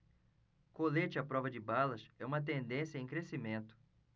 colete à prova de balas é uma tendência em crescimento